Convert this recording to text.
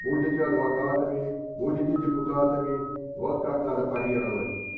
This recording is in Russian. Будете адвокатами, будете депутатами -- вот как надо парировать.